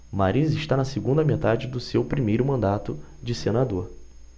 mariz está na segunda metade do seu primeiro mandato de senador